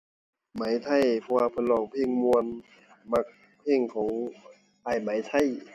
ไหมไทย เพราะว่าเพิ่นร้องเพลงม่วน มักเพลงของอ้ายไหมไทย